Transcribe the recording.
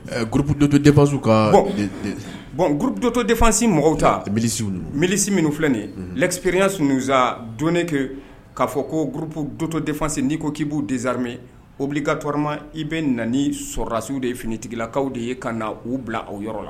Gurup dɔto debaz kan bɔn bɔn gtoto defasi mɔgɔw tabilisi minnu filɛnen gkipereya sunsa don kɛ k'a fɔ ko gpu dɔto defase n' ko k'ibuu dezsarime mobilikatɔma i bɛ nan sɔrɔrasiww de finitigilakaw de ye ka na uu bila aw yɔrɔ la